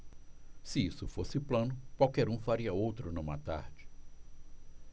se isso fosse plano qualquer um faria outro numa tarde